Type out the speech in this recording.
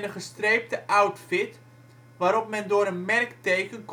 gestreepte outfit, waarop men door een